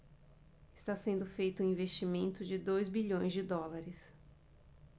está sendo feito um investimento de dois bilhões de dólares